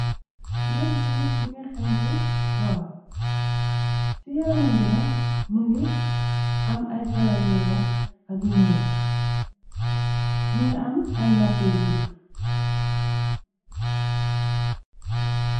lëg bi mungi xenc bool, ci yaraman bi nak mungi am ay karaw yu weex ak yu nuul, mungi am ay noppy gudd.